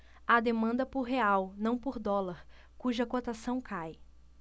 há demanda por real não por dólar cuja cotação cai